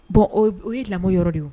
Bɔn o ye lamɔ yɔrɔ de ye